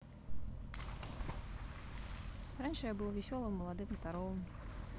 раньше я был веселым молодым здоровым